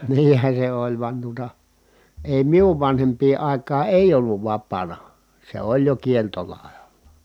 niinhän se oli vain tuota ei minun vanhempien aikaan ei ollut vapaana se oli jo kieltolailla